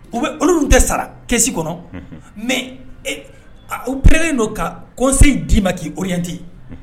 U bɛ olu tɛ sara kɛsi kɔnɔ mɛ u plen don ka kosi d'i ma k'i ote